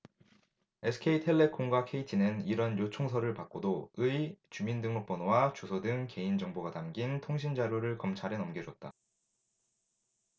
에스케이텔레콤과 케이티는 이런 요청서를 받고도 의 주민등록번호와 주소 등 개인정보가 담긴 통신자료를 검찰에 넘겨줬다